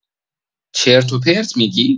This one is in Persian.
چرت و پرت می‌گی